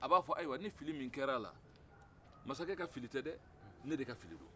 a b 'a fɔ ayiwa ni fili min kɛra a la masakɛ ka fili tɛ dɛɛ ne de ka fili do